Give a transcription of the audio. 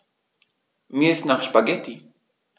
Mir ist nach Spaghetti.